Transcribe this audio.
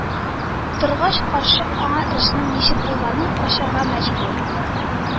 Торгач, карчык аңа эшнең ничек булганын ачарга мәҗбүр